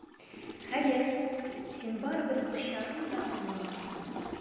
Хәер, син барыбер пычагым да аңламассың!